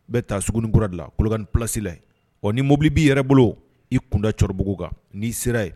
Bɛ taa surununi bɔra la kukani plasi la ɔ ni mobili b'i yɛrɛ bolo i kunda cɛkɔrɔbabugu kan nii sera yen